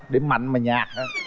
điểm mạnh mà nhạt hả